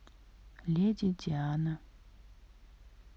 леди диана